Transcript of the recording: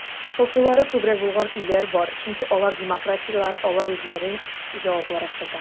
Хокуклары күбрәк булган илләр бар, чөнки алар демократияләр, алар үзләрен җаваплырак тота.